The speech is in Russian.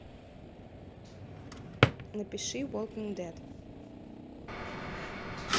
напиши walking dead